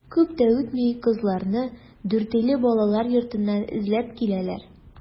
Күп тә үтми кызларны Дүртөйле балалар йортыннан эзләп киләләр.